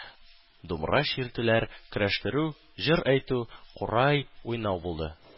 Думбра чиртүләр, көрәштерү, җыр әйтү, курай уйнау булды.